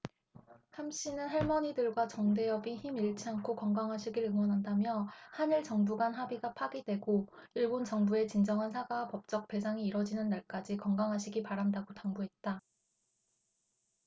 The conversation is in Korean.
함씨는 할머니들과 정대협이 힘 잃지 않고 건강하시길 응원한다며 한일 정부 간 합의가 파기되고 일본 정부의 진정한 사과와 법적 배상이 이뤄지는 날까지 건강하시기 바란다고 당부했다